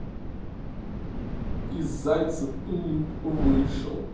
из зайца тулуп вышел